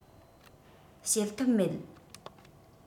བྱེད ཐབས མེད